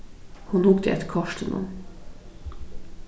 hon hugdi eftir kortinum